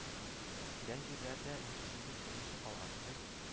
Гән җирләр дә ни өчендер кермичә калган иде